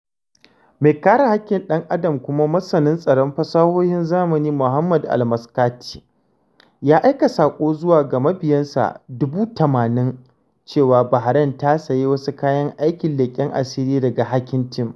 Mai kare haƙƙin ɗan Adam kuma masanin tsaron fasahohin zamani, Mohammed Al-Maskati, ya aika saƙo zuwa ga mabiyansa 89,000 cewa Bahrain ta sayi wasu kayan aikin leƙen asiri daga Hacking Team.